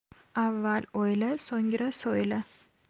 avval o'yla so'ngra so'yla